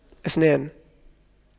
اثنان